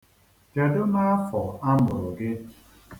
Kedụ n'afọ a mụrụ gị?